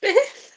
Beth?